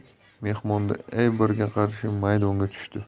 klubi mehmonda eybar ga qarshi maydonga tushdi